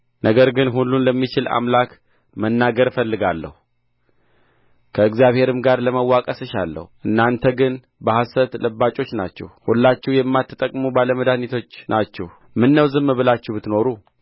ነገር ግን ሁሉን ለሚችል አምላክ መናገር እፈልጋለሁ ከእግዚአብሔርም ጋር ለመዋቀስ እሻለሁ እናንተ ግን በሐሰት ለባጮች ናችሁ ሁላችሁ የማትጠቅሙ ባለ መድኃኒቶች ናችሁ ምነው ዝም ብላችሁ ብትኖሩ